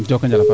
joko njal a paax